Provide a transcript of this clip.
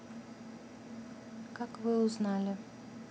как вы узнали